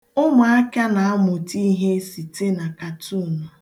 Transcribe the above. Ụmụaka na-amụta ihe site na katuunu.